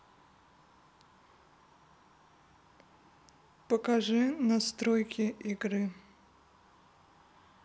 покажи настройки игры